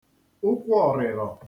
ụkwụọ̀rị̀rọ̀